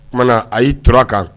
O kumana na a y'i t kan